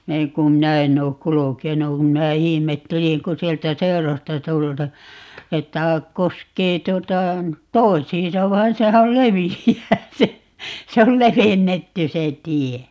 näin kun minä en ole kulkenut kun minä ihmettelin kun sieltä seuroista - että koskee tuota toisiinsa vaan sehän oli leveää se se oli levennetty se tie